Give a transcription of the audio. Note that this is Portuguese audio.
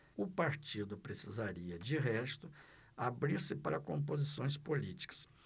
o partido precisaria de resto abrir-se para composições políticas